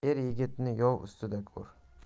er yigitni yov ustida ko'r